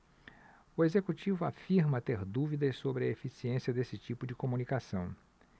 o executivo afirma ter dúvidas sobre a eficiência desse tipo de comunicação